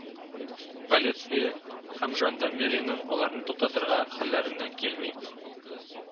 Полиция һәм жандармериянең аларны туктатырга хәлләреннән килми